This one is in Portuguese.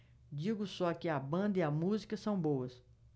digo só que a banda e a música são boas